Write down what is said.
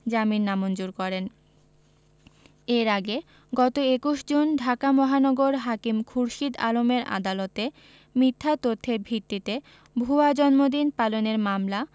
জামিন নামঞ্জুর করেন এর আগে গত ২১ জুন ঢাকা মহানগর হাকিম খুরশীদ আলমের আদালতে মিথ্যা তথ্যের ভিত্তিতে ভুয়া জন্মদিন পালনের মামলা